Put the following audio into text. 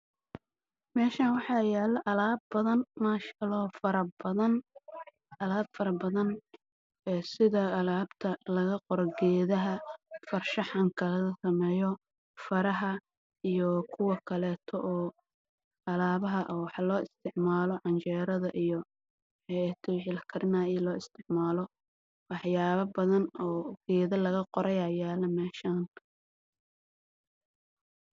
Meeshaan waxaa yaalo alaab faro badan oo hido iyo dhaqan ah